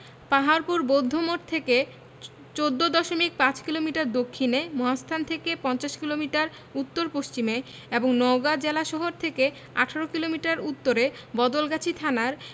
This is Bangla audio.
পাহাড়পুর বৌদ্ধমঠ থেকে ১৪দশমিক ৫ কিলোমিটার দক্ষিণে মহাস্থান থেকে পঞ্চাশ কিলোমিটার উত্তর পশ্চিমে এবং নওগাঁ জেলাশহর থেকে ১৮ কিলোমিটার উত্তরে বদলগাছি থানার